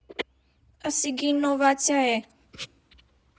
Ըսիգ իննովացիա՜ է։